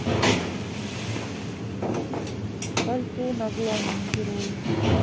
пальто на главном герое